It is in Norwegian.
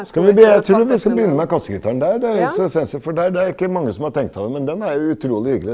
skal vi jeg trur vi skal begynne med kassegitaren, det er det er essensen, for der det er ikke mange som har tenkt over, men den er jo utrolig hyggelig.